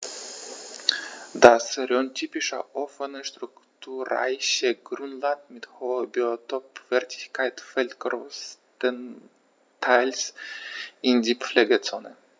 Das rhöntypische offene, strukturreiche Grünland mit hoher Biotopwertigkeit fällt größtenteils in die Pflegezone.